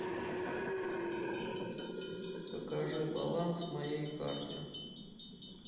покажи баланс моей карте